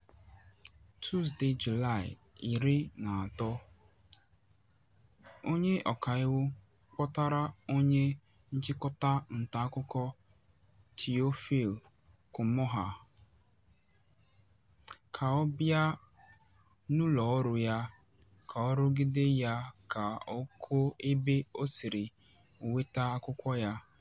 Tuzdee, Julaị 13, onye ọka iwu kpọtara onye nchịkọta ntaakụkọ Théophile Kouamouo ka ọ bịa n'ụlọ ọrụ ya ka ọ rugide ya ka o kwuo ebe o siri nweta akụkọ ya.